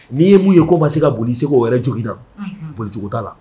N'i ye m munu ye ko ma se ka boli seguko wɛrɛ jogin na bolijuguda la